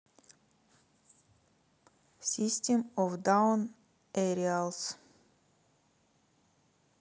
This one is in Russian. систем оф даун эриалс